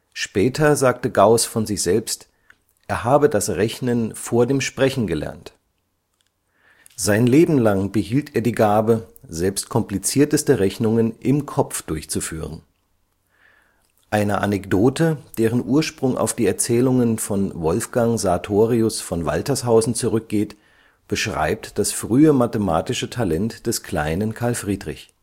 Später sagte Gauß von sich selbst, er habe das Rechnen vor dem Sprechen gelernt. Sein Leben lang behielt er die Gabe, selbst komplizierteste Rechnungen im Kopf durchzuführen. Eine Anekdote, deren Ursprung auf die Erzählungen von Wolfgang Sartorius von Waltershausen zurückgeht, beschreibt das frühe mathematische Talent des kleinen Carl Friedrich